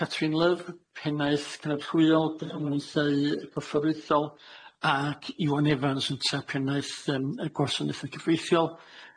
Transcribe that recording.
Catrin Lyf, pennaeth Gaernarfwyo, dychmyneithau corfforaethol ac Iwan Evans ynte pennaeth yym y gwasanaethe cyfreithiol.